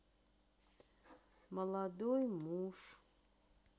молодой муж